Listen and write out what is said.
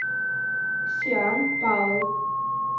sean paul